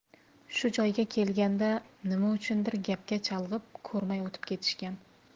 shu joyga kelganda nima uchundir gapga chalg'ib ko'rmay o'tib ketishgan